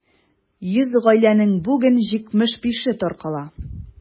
100 гаиләнең бүген 75-е таркала.